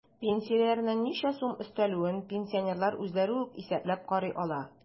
Пенсияләренә ничә сум өстәлүен пенсионерлар үзләре үк исәпләп карый ала.